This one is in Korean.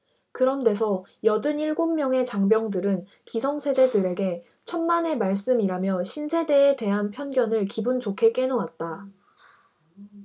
그런 데서 여든 일곱 명의 장병들은 기성세대들에게 천만의 말씀이라며 신세대에 대한 편견을 기분좋게 깨놓았다